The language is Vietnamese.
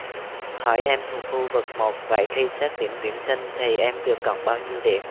hỏi em thuộc khu vực một vậy khi xét điểm tuyển sinh thì em được cộng bao nhiêu điểm